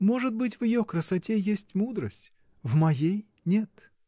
Может быть, в ее красоте есть мудрость. В моей нет.